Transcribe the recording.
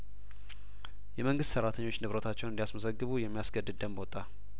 የመንግስት ሰራተኞችን ብረታቸውን እንዲ ያስመዘግቡ የሚያስገድድ ደንብ ወጣ